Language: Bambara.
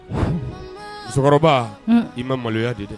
Musokɔrɔba i ma maloya de dɛ